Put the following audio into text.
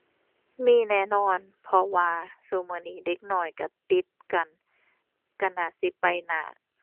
มีแน่นอน เพราะว่าซุมื้อนี้เด็กน้อยก็ติดกัน ก็น่าสิไปหน้า